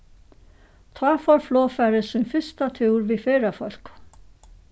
tá fór flogfarið sín fyrsta túr við ferðafólkum